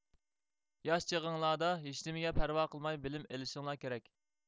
ياش چېغىڭلاردا ھېچنېمىگە پەرۋا قىلماي بىلىم ئېلىشىڭلار كېرەك